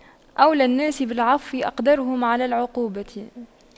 أولى الناس بالعفو أقدرهم على العقوبة